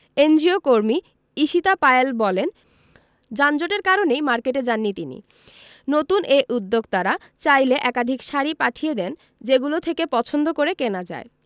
এনজিওকর্মী ঈশিতা পায়েল বলেন যানজটের কারণেই মার্কেটে যাননি তিনি নতুন এই উদ্যোক্তারা চাইলে একাধিক শাড়ি পাঠিয়ে দেন যেগুলো থেকে পছন্দ করে কেনা যায়